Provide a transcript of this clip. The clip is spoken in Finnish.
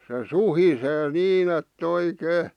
se suhisee niin että oikein